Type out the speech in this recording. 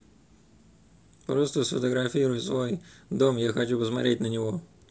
просто сфотографируй свой дом я хочу посмотреть на него